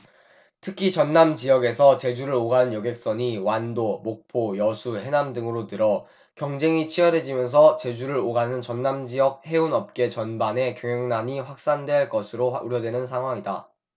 특히 전남지역에서 제주를 오가는 여객선이 완도 목포 여수 해남 등으로 늘어 경쟁이 치열해지면서 제주를 오가는 전남지역 해운업계 전반에 경영난이 확산할 것으로 우려되는 상황이다